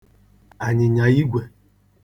ànyị̀nyìigwè